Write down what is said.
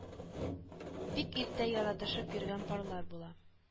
Бик иртә яратышып йөргән парлар була